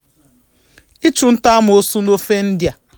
Ịchụnta amoosu n'ofe India.